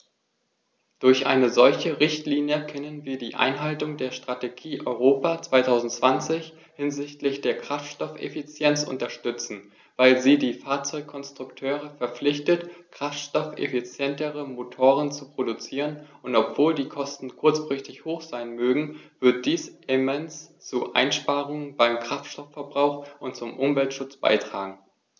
Durch eine solche Richtlinie können wir die Einhaltung der Strategie Europa 2020 hinsichtlich der Kraftstoffeffizienz unterstützen, weil sie die Fahrzeugkonstrukteure verpflichtet, kraftstoffeffizientere Motoren zu produzieren, und obwohl die Kosten kurzfristig hoch sein mögen, wird dies immens zu Einsparungen beim Kraftstoffverbrauch und zum Umweltschutz beitragen.